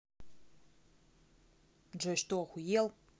джой что охуел